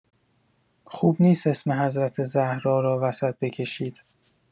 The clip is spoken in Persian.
خوب نیست اسم حضرت زهرا (س) را وسط بکشید.